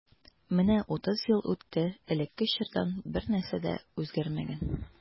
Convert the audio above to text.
Менә утыз ел үтте, элекке чордан бернәрсә дә үзгәрмәгән.